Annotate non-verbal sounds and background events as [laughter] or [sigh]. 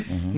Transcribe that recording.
[hesitation] [hesitation]